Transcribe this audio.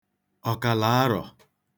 ọ̀kàlà arọ̀